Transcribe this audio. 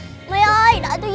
my ơi đợi tôi